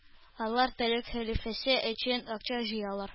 Алар төрек хәлифәсе өчен акча җыялар